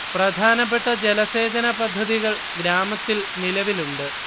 പ്രധാനപ്പെട്ട ജലസേചന പദ്ധതികൾ ഗ്രാമത്തിൽ നിലവിലുണ്ട്